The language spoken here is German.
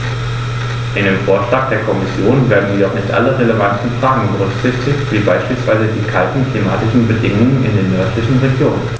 In dem Vorschlag der Kommission werden jedoch nicht alle relevanten Fragen berücksichtigt, wie beispielsweise die kalten klimatischen Bedingungen in den nördlichen Regionen.